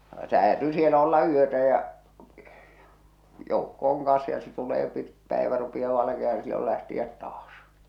se häätyy siellä olla yötä ja joukko on kanssa ja se tulee - päivä rupeaa valkenemaan no silloin lähteä taas